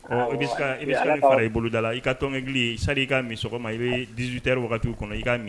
Ɔ i bɛ se fara i boloda la i ka tɔnkɛli sa i ka min ma i bɛ dizdite wagati kɔnɔ i kaa